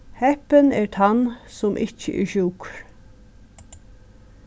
heppin er tann sum ikki er sjúkur